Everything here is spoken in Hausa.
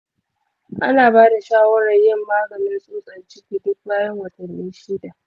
ana ba da shawarar yin maganin tsutsar ciki duk bayan watanni shida.